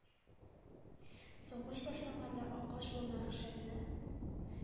Сугыш башланганда, акыш бу мәхшәрне